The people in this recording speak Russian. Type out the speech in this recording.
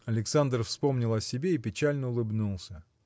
Александр вспомнил о себе и печально улыбнулся.